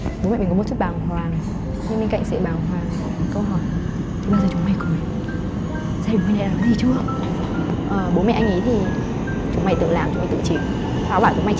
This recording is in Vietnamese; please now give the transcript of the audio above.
bố mẹ mình có một chút bàng hoàng nhưng bên cạnh sự bàng hoàng là câu hỏi thế bao giờ chúng mày cưới gia đình bên đấy đã nói gì chưa ở bố mẹ anh ấy thì chúng mày tự làm tự chịu tao bảo chúng mày